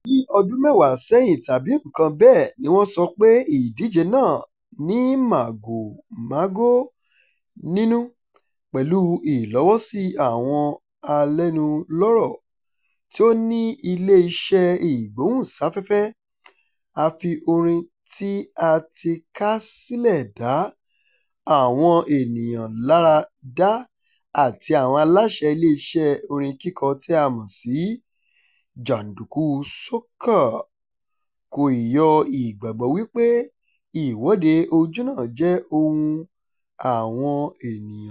Ní ọdún mẹ́wàá sẹ́yìn tàbí nnkan bẹ́ẹ̀ ni wọ́n sọ pé ìdíje náà ní màgòmágó nínú — pẹ̀lu ìlọ́wọ́sí àwọn alẹ́nulọ́rọ̀ tí ó ni ilé iṣẹ́ ìgbóhùnsáfẹ́fẹ́, afiorin-tí-a-ti-ká-sílẹ̀ dá àwọn ènìyàn lára dá àti àwọn aláṣẹ ilé iṣẹ́ orin kíkọ tí a mọ̀ sí “jàndùkú soca” — kò ì yọ́ ìgbàgbọ́ wípé Ìwọ́de Ojúnà jẹ́ ohun àwọn ènìyàn.